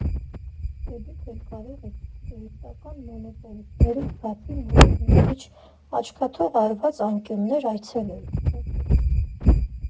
Դե դուք էլ կարող եք տուրիստական մոնոպոլիստներից բացի նաև մի քիչ աչքաթող արված անկյուններ այցելել, պրպտել։